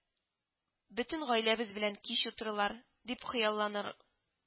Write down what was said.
Бөтен гаиләбез белән кич утырулар,—дип хыялланыр